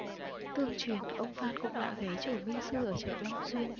tương truyền ông phan cũng đã ghé chùa minh sư ở chợ long xuyên